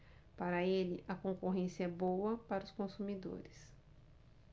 para ele a concorrência é boa para os consumidores